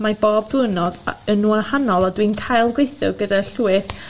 mae bob diwrnod a- yn wahanol a dwi'n cael gweithio gyda llwyth